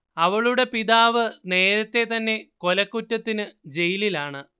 അവളുടെ പിതാവ് നേരത്തെ തന്നെ കൊലകുറ്റത്തിന് ജയിലാണ്